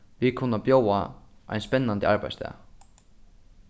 vit kunnu bjóða ein spennandi arbeiðsdag